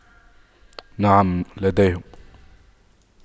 نعم لديهم